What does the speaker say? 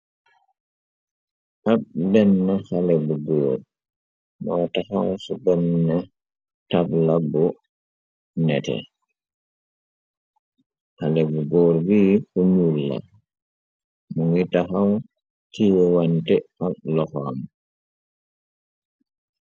Ak benne xale bu góor moo taxaw cu benne tabla bu nete xale bu góor bi ku nyuul la mu ngi taxaw ciye wante ak loxo am.